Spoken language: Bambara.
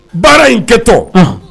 Baara in kɛ tɔ